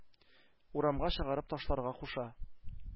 Урамга чыгарып ташларга куша.